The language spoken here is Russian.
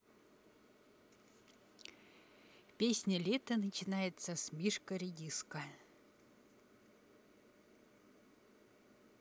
песня лето начинается с мишка редиска